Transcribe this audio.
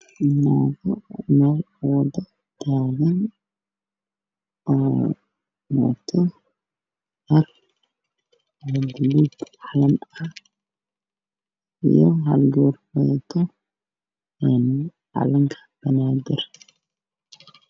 Halkaan waxaa ka muuqdo islaamo sadex kamid ah waxay qabaan dhar buluug iyo cadaan iskugu jiro hal kamid ah ayaa qabto guduud iyo buluug dhar iskugu jirto